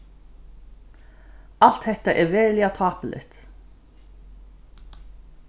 alt hetta er veruliga tápuligt